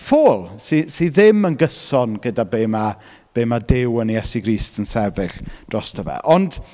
Ffôl sy- sydd ddim yn gyson gyda be ma', be ma' Duw yn Iesu Grist yn sefyll drosto fe ond...